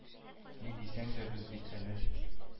Ни дисәң дә, без бит әле